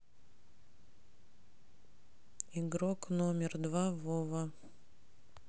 игрок номер два вова